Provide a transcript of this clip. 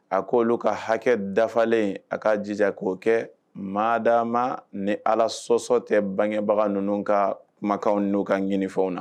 A k ko olu ka hakɛ dafalen a ka jɛ k koo kɛ mada ma ni ala sɔsɔ tɛ bangebaga ninnu ka kumakan n'u kan ɲiniw na